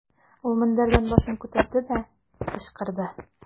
Ул мендәрдән башын күтәрде дә, кычкырды.